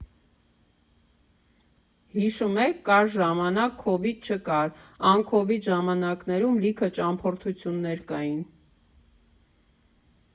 ՀԻշո՞ւմ եք, կար ժամանակ՝ քովիդ չկար, անքովիդ ժամանակներում լիքը ճամփորդություններ կային։